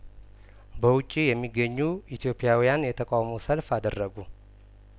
በውጪ የሚገኙ ኢትዮጵያውያን የተቃውሞ ሰልፍ አደረጉ